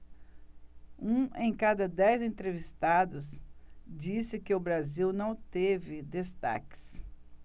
um em cada dez entrevistados disse que o brasil não teve destaques